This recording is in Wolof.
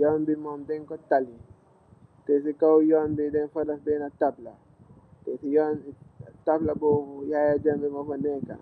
Yoon bi moom den ko talli, teh si kaw yoon bi den fa def bena tablah, tablah bobu Yaya Jammeh mofa neeka,